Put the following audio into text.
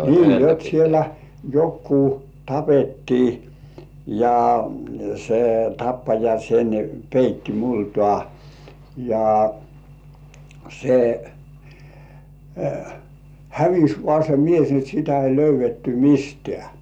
niin jotta siellä joku tapettiin ja se tappaja sen peitti multaan ja se hävisi vain se mies niin että sitä ei löydetty mistään